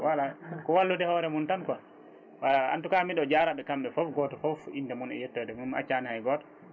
voilà ko wallude hoore mum tan quoi voilà en tout cas mbiɗo jarnaɓe kamɓe foof goto foof inde mum e yettode mum mi accani hay goto